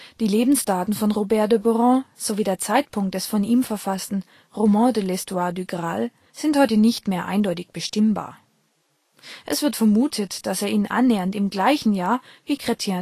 Die Lebensdaten von Robert de Boron sowie der Zeitpunkt des von ihm verfassten Roman de l´estoire dou Graal sind heute nicht mehr eindeutig bestimmbar. Es wird vermutet, dass er ihn annähernd im gleichen Jahr wie Chrétien